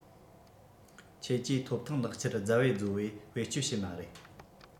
ཁྱེད ཀྱིས ཐོབ ཐང ལག ཁྱེར རྫབ བེ རྫོབ བེ བེད སྤྱོད བྱེད མ རེད